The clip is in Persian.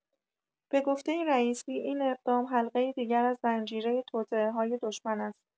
به گفته رییسی، این اقدام حلقه‌ای دیگر از زنجیره توطئه‌های دشمن است.